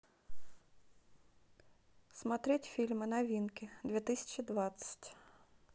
смотреть фильмы новинки две тысячи двадцать